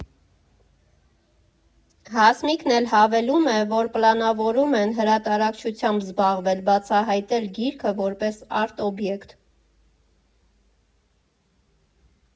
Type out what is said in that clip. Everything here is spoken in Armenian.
Հասմիկն էլ հավելում է, որ պլանավորում են հրատարակչությամբ զբաղվել՝ բացահայտել գիրքը որպես արտ֊օբյեկտ։